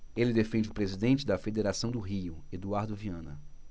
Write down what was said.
ele defende o presidente da federação do rio eduardo viana